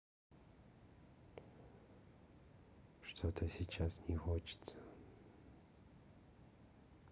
что то сейчас не хочется